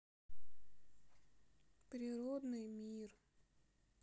природный мир